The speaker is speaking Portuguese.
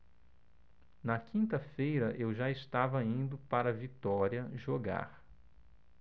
na quinta-feira eu já estava indo para vitória jogar